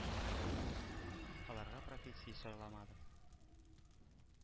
Аларга профессия сайламадым.